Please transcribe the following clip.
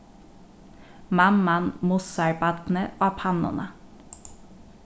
mamman mussar barnið á pannuna